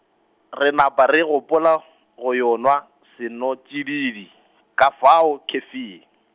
re napa re gopola, go yo nwa senotšididi, ka fao khefing.